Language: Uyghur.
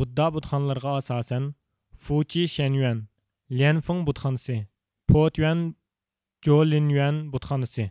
بۇددا بۇتخانىلارغا ئاساسەن فۇچى شەنيۈەن لىيەنفىڭ بۇتخانىسى پوتىيۈەن جولىنيۈەن بۇدخانىسى